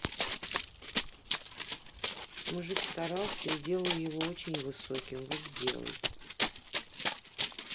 мужик старался и делаю его очень высоким вот сделай